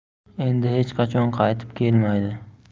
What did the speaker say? endi hech qachon qaytib kelmaydi